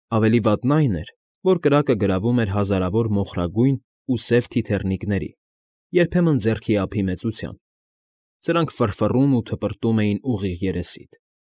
Ավելի վատն այն էր, որ կրակը գրավում էր հազարավոր մոխրագույն ու սև թիթեռնիկների, երբեմն ձեռքի ափի մեծության. սրանք ֆռֆռում ու թպրտում էին ուղիղ երեսիդ։